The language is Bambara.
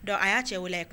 Donc a y'a cɛ wele